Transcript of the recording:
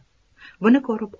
buni ko'rib